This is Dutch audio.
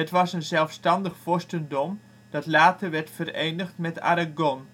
was een zelfstandig vorstendom dat later werd verenigd met Aragon